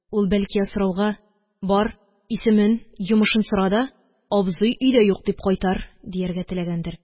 Ул, бәлки, асрауга: «Бар, исемен, йомышын сора да, абзый өйдә юк, дип кайтар», – дияргә теләгәндер.